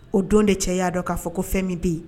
O don de cɛ y'a dɔn k'a fɔ ko fɛn min bɛ yen